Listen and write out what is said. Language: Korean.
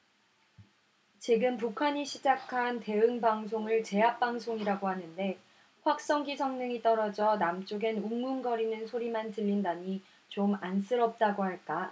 지금 북한이 시작한 대응 방송을 제압방송이라고 하는데 확성기 성능이 떨어져 남쪽엔 웅웅거리는 소리만 들린다니 좀 안쓰럽다고 할까